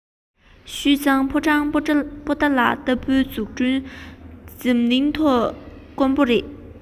ཞུས ཙང དངོས འབྲེལ ཕོ བྲང པོ ཏ ལ ལྟ བུའི འཛུགས སྐྲུན དེ འདྲ འཛམ གླིང ཐོག དཀོན པོ རེད